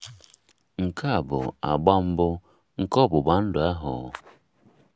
Nke a bụ agba mbụ nke ọgbụgba ndụ ahụ.